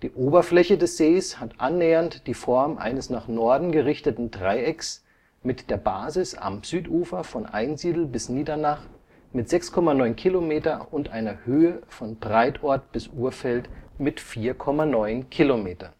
Oberfläche des Sees hat annähernd die Form eines nach Norden gerichteten Dreiecks mit der Basis am Südufer von Einsiedl bis Niedernach mit 6,9 km und einer Höhe von Breitort bis Urfeld mit 4,9 km